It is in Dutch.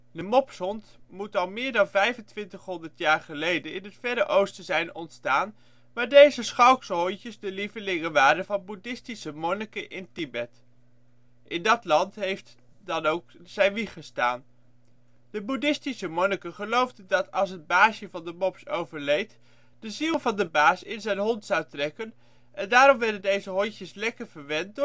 De Mopshond moet al meer dan 2500 jaar geleden in het Verre Oosten zijn ontstaan, waar deze schalkse hondjes de lievelingen waren van Boeddhistische monniken in Tibet. In dat land heeft dan ook zijn wieg gestaan. De Boeddhistische monniken geloofden dat als het baasje van de Mops overleed, de ziel van de baas in zijn hond zou trekken en daarom werden deze hondjes lekker verwend